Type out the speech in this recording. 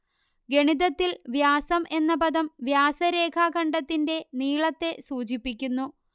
ഗണിതത്തിൽ വ്യാസം എന്ന പദം വ്യാസരേഖാഖണ്ഡത്തിന്റെ നീളത്തെ സൂചിപ്പിക്കുന്നു